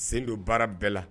Sen don baara bɛɛ la